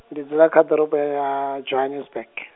ndi ḓula kha ḓorobo ya Johannesburg.